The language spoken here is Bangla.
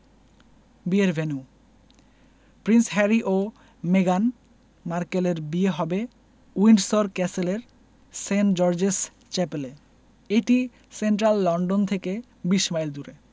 বিয়ের ভেন্যু প্রিন্স হ্যারি ও মেগান মার্কেলের বিয়ে হবে উইন্ডসর ক্যাসেলের সেন্ট জর্জেস চ্যাপেলে এটি সেন্ট্রাল লন্ডন থেকে ২০ মাইল দূরে